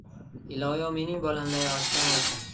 iloyo mening bolamday ochdan o'lsin